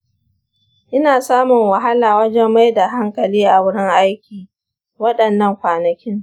ina samun wahala wajen mai da hankali a wurin aiki waɗannan kwanakin.